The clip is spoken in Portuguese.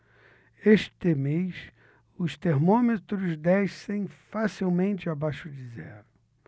este mês os termômetros descem facilmente abaixo de zero